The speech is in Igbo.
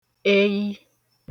eyi